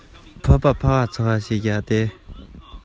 གང ལྟར མིང འདི ང རང མངལ ནས